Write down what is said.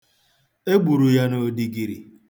E gburu ya n'odigiri.